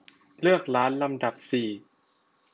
เลือกร้านลำดับสี่